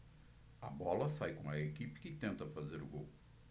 a bola sai com a equipe que tenta fazer o gol